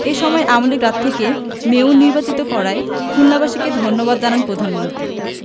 এ সময় আওয়ামী লীগ প্রার্থীকে মেয়র নির্বাচিত করায় খুলনাবাসীকে ধন্যবাদ জানান প্রধানমন্ত্রী